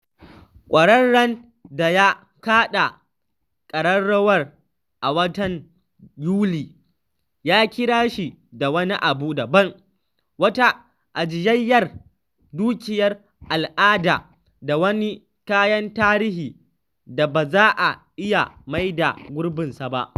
Ƙwararren da ya kaɗa ƙararrawar a watan Yuli ya kira shi da wani abu daban: “Wata ajiyayyar dukiyar al’ada” da “wani kayan tarihi da ba za a iya maida gurbinsa ba.”